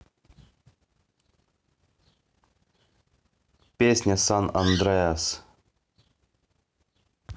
песня san andreas